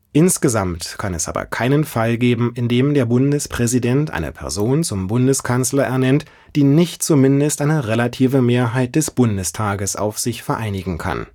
Insgesamt kann es aber keinen Fall geben, in dem der Bundespräsident eine Person zum Bundeskanzler ernennt, die nicht zumindest eine relative Mehrheit des Bundestages auf sich vereinigen kann